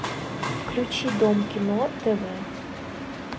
включи дом кино тв